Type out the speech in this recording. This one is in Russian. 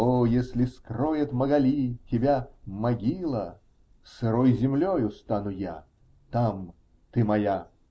"-- "О, если скроет, Магали, тебя могила, -- сырой землею стану я: там ты моя!".